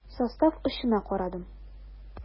Состав очына карадым.